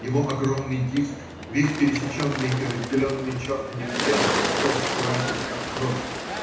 Его огромный диск, весь пересеченный и разделенный черными ветвями кустов, красен, как кровь.